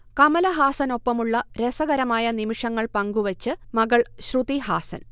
കമലഹാസനൊപ്പമുള്ള രസകരമായ നിമിഷങ്ങൾ പങ്കുവെച്ച് മകൾ ശ്രുതി ഹാസൻ